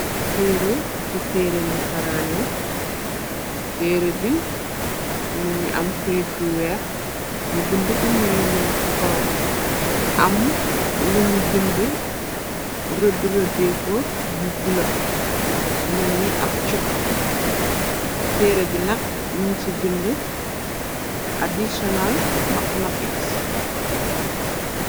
teere ci teere nasaraan yi teere bi mu ngi am këy ju weex ñu bind bind yu ñu ci kawam am luñu bind rëdrëdeko mu bule menni ab cux teere bi nak ñum ci bind adisional mathematiks